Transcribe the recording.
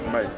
mbay